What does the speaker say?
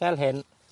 fel hyn,